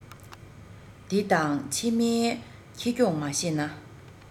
འདི དང ཕྱི མའི ཁེ གྱོང མ ཤེས ན